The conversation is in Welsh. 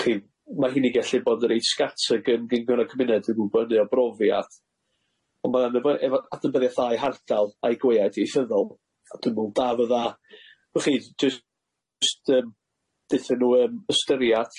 chi ma' hynny gellu bod yn reit sgatag yn gin gynna cymuned yn gwbo hynny o brofiad ond ma' o'n efo efo adnabyddiath dda i hardal a'i gweaid ieithyddol a dwi'n me'wl da fydd dda w'chi jyst jyst yym deutha nw yym ystyriad